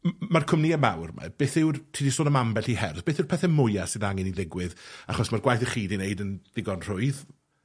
m- m- ma'r cwmnie mawr 'ma, beth yw'r ti di sôn am ambell i her, beth yw'r pethe mwya sydd angen 'i ddigwydd, achos ma'r gwaith 'ych chi 'di neud yn ddigon rhwydd,